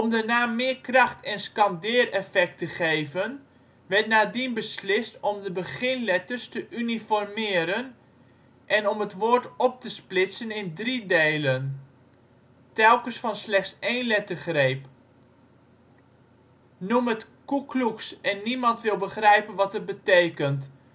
de naam meer kracht en scandeereffect te geven, werd nadien beslist om de beginletters te uniformeren en om het woord op te splitsen in drie delen, telkens van slechts één lettergreep. " Noem het Kuklux en niemand wil begrijpen wat het betekent ", zei